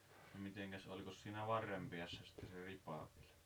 no mitenkäs olikos siinä varren päässä sitten se ripa vielä